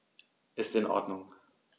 Ist in Ordnung.